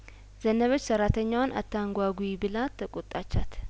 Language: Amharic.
ዘነበች ሰራተኛዋን አታንጓጉ ብላ ተቆጣቻት